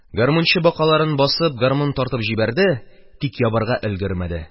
Гармунчы, бакаларына басып, гармунын тартып җибәрде, тик ябарга өлгермәде.